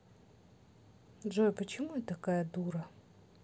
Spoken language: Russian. джой почему я такая дура